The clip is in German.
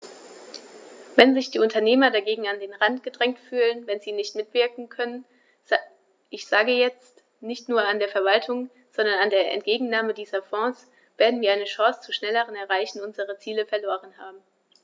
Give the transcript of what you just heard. Wenn sich die Unternehmer dagegen an den Rand gedrängt fühlen, wenn sie nicht mitwirken können ich sage jetzt, nicht nur an der Verwaltung, sondern an der Entgegennahme dieser Fonds , werden wir eine Chance zur schnelleren Erreichung unserer Ziele verloren haben.